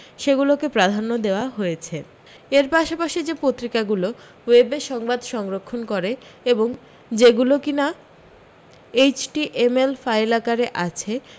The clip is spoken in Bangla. সেগুলোকে প্রাধান্য দেওয়া হয়েছে এর পাশাপাশি যে পত্রিকাগুলো ওয়েবে সংবাদ সংরক্ষণ করে এবং যেগুলো কী না এইচটিএমএল ফাইল আকারে আছে